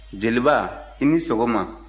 jeliba i ni sɔgɔma